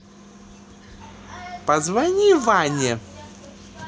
позвони ване